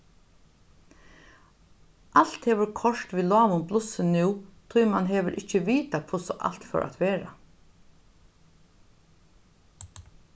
alt hevur koyrt við lágum blussi nú tí man hevur ikki vitað hvussu alt fór at verða